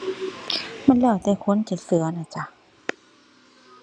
มันแล้วแต่คนจะเชื่อน่ะจ้ะ